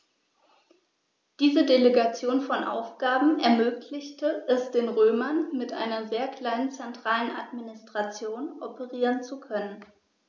Diese Delegation von Aufgaben ermöglichte es den Römern, mit einer sehr kleinen zentralen Administration operieren zu können.